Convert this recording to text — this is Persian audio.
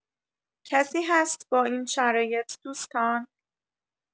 کسی هست با این شرایط دوستان؟